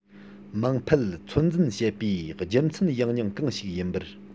མང འཕེལ ཚོད འཛིན བྱེད པའི རྒྱུ མཚན ཡང སྙིང གང ཞིག ཡིན པར